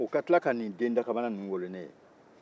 o ka tila kan nin den dakabana ninnu wolo ne ye